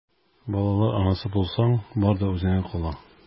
Балалар анасы булсаң, бар да үзеңә кала...